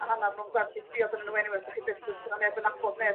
a hannar n'w'm gwerth i sbïod arnyn n'w eniwe 'sa chi byth 'sa 'na neb yn nabod neb